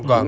gonga